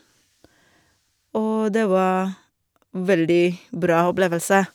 Og det var veldig bra opplevelse.